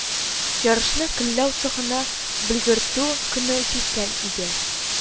Ярышны көлләү цехына белгертү көне җиткән иде